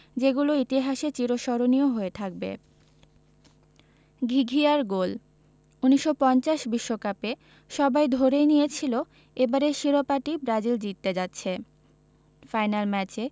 যেগুলো ইতিহাসে চিরস্মরণীয় হয়ে থাকবে ঘিঘিয়ার গোল ১৯৫০ বিশ্বকাপে সবাই ধরেই নিয়েছিল এবারের শিরোপাটি ব্রাজিল জিততে যাচ্ছে ফাইনাল ম্যাচে